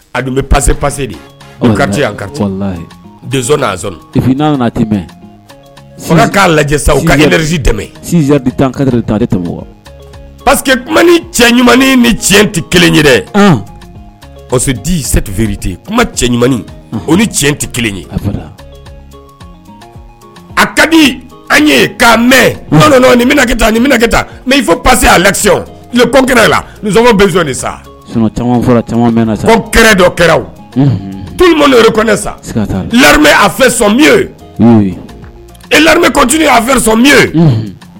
Pa pa k'a lajɛ dɛmɛ pa cɛ ni cɛn tɛ kelen ye difite cɛ o ni cɛn tɛ kelen ye a ka di an ye k'a mɛn taa nikɛ taa mɛ i fɔ pasi lakɛ sa ko dɔ kɛra tureɛ sa a sɔ mi et a sɔ mi